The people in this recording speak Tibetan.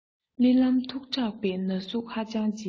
རྨི ལམ མཐུགས དྲགས པས ན ཟུག ཧ ཅང ལྕི